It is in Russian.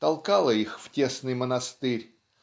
толкала их в тесный монастырь